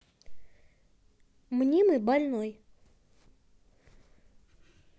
мнимый больной